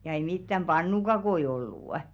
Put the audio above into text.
ja ei mitään pannukakkuja ollut